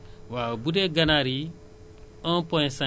bu dee xar yi sept pour cent la